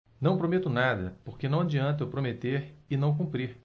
não prometo nada porque não adianta eu prometer e não cumprir